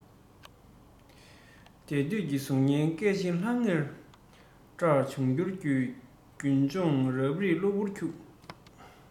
འདས དུས ཀྱི གཟུགས བརྙན སྐད ཅིག ལྷང ངེར བཀྲ འབྱུང འགྱུར གྱི མདུན ལྗོངས རབ རིབ གློ བུར འཁྱུགས